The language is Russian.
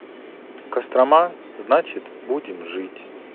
кострома значит будем жить